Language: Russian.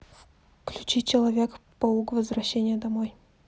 включи человек паук возвращение домой